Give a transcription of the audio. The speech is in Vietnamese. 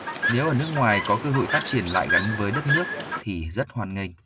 nếu ở nước ngoài có cơ hội phát triển lại gắn với đất nước thì rất hoan nghênh